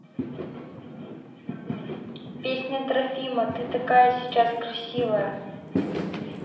песня трофима ты такая сейчас красивая